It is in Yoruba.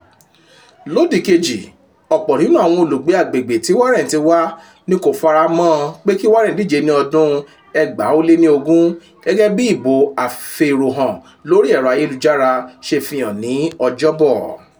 Lódì kejì, ọ̀pọ̀ nínú àwọn olùgbé agbègbè tí Warren ti wá ni kò fara mọ́ ọ pé kí Warren díje ní ọdún 2020 gẹ́gẹ́ bí ìbò afèròhàn lórí ẹ̀rọ ayélujára ṣe fi hàn ní Ọjọ́bọ̀.